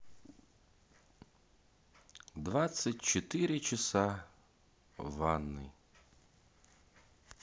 двадцать четыре часа в ванной